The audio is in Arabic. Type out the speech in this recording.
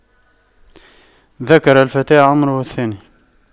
ذكر الفتى عمره الثاني